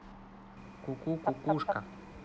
куку кукушка